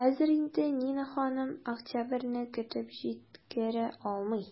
Хәзер инде Нина ханым октябрьне көтеп җиткерә алмый.